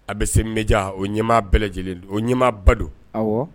A bɛ se m bɛja o ɲɛmaa bɛɛ lajɛlen o ɲɛmaa ba don